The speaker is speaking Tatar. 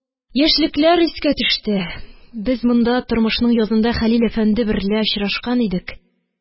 Яшьлекләр искә төште, без монда тормышның язында Хәлил әфәнде берлә очрашкан идек